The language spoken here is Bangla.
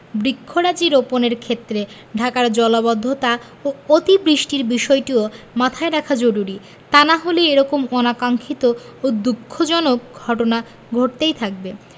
বৃক্ষরাজি রোপণের ক্ষেত্রে ঢাকার জলাবদ্ধতা ও অতি বৃষ্টির বিষয়টিও মাথায় রাখা জরুরী তা না হলে এ রকম অনাকাংক্ষিত ও দুঃখজনক দুর্ঘটনা ঘটতেই থাকবে